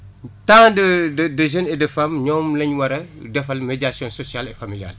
tant de de de jeunes et de femmes ñoom la ñu war a defal médaitaion sociale et familiale